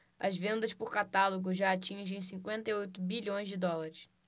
as vendas por catálogo já atingem cinquenta e oito bilhões de dólares